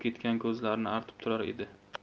ketgan ko'zlarini artib turar edi